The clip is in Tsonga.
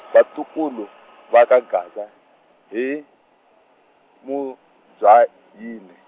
vatukulu, va ka Gaza, hi Muzwayine.